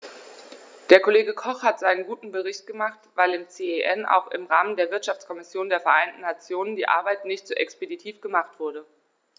Der Kollege Koch hat seinen guten Bericht gemacht, weil im CEN und auch im Rahmen der Wirtschaftskommission der Vereinten Nationen die Arbeit nicht so expeditiv gemacht wurde.